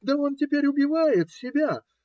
Да, он теперь убивает себя!